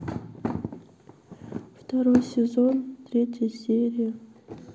второй сезон третья серия